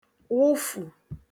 wụfù